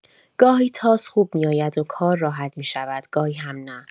گاهی تاس خوب می‌آید و کار راحت می‌شود، گاهی هم نه.